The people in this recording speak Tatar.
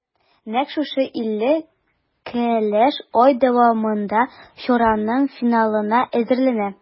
Нәкъ шушы илле кәләш ай дәвамында чараның финалына әзерләнә.